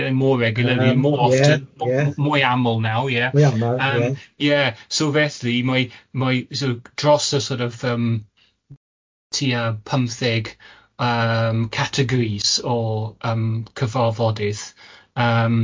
more regular more often... Ie ie. ...mwyl amal naw ie... Mwy alml. ...yym ie so felly mae mae sort of dros y sort of yym tua pymtheg yym categories o yym cyfarfodydd yym mae yym